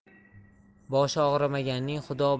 boshi og'rimaganning xudo